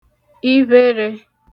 ivherē